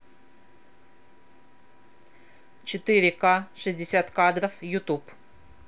четыре ка шестьдесят кадров ютуб